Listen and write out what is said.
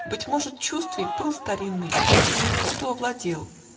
Быть может, чувствий пыл старинный Им на минуту овладел